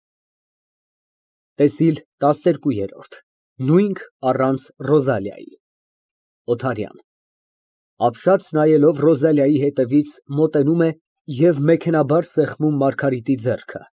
ՏԵՍԻԼ ՏԱՍՆԵՐԿՈՒԵՐՈՐԴ ՆՈՒՅՆՔ ԱՌԱՆՑ ՌՈԶԱԼԻԱՅԻ ՕԹԱՐՅԱՆ ֊ (Ապշած նայելով Ռոզալիայի հետևից, մոտենում է և մեքենայաբար սեղմում Մարգարիտի ձեռքը)։